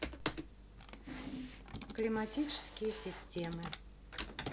климатические системы